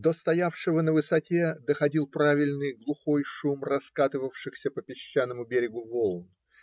до стоявшего на высоте доходил правильный, глухой шум раскатывавшихся по песчаному берегу волн